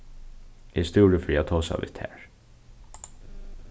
eg stúri fyri at tosa við tær